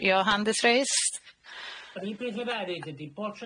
Your hand is raised.